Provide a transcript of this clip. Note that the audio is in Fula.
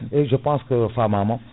eyyi je pense que famama